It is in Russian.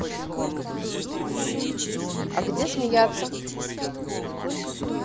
а где смеяться